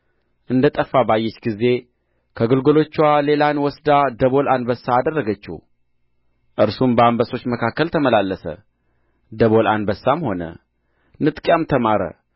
እንደ ጠፋ ባየች ጊዜ ከግልገሎችዋ ሌላን ወስዳ ደቦል አንበሳ አደረገችው እርሱም በአንበሶች መካከል ተመላለሰ ደቦል አንበሳም ሆነ ንጥቂያም ተማረ